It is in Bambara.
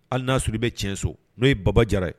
Hali n'a y'a sɔrɔ inbɛ tiɲɛ so n'o ye baba Jara ye.